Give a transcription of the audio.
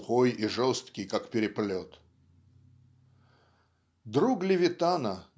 сухой и жесткий, как переплет"). Друг Левитана